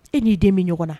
E n'i den bɛ ɲɔgɔn na